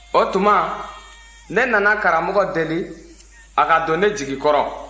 o tuma ne nana karamɔgɔ deli a ka don ne jigi kɔrɔ